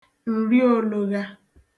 ǹriologha